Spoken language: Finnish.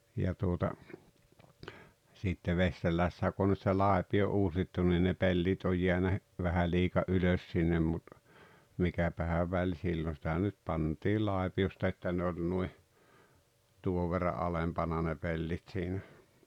ja tuota sitten Vesterlässä kun on nyt se laipio uusittu niin ne pellit on jäänyt vähän liika ylös sinne mutta mikäpähän väli sillä on sitä nyt pantiin laipiosta että ne oli noin tuon verran alempana ne pellit siinä